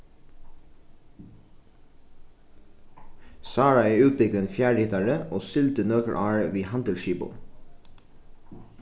sára er útbúgvin fjarritari og sigldi nøkur ár við handilsskipum